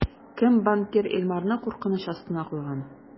Кем банкир Илмарны куркыныч астына куйган?